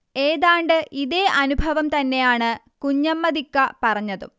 ഏതാണ്ട് ഇതേ അനുഭവം തന്നെയാണ് കുഞ്ഞമ്മദിക്ക പറഞ്ഞതും